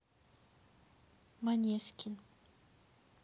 måneskin